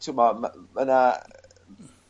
t'mo' ma' ma' 'na yy